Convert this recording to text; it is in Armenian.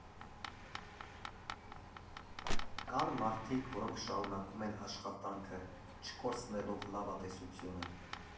Կան մարդիկ, որոնք շարունակում են աշխատանքը՝ չկորցնելով լավատեսությունը։